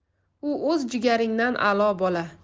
u o'z jigaringdan a'lo bola